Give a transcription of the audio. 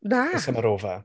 Na!... Is Summer over?